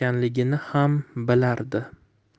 ekanligini xam bilardi